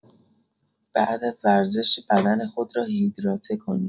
بعد از ورزش بدن خود را هیدراته کنید.